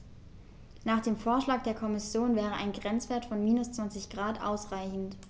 Nach dem Vorschlag der Kommission wäre ein Grenzwert von -20 ºC ausreichend.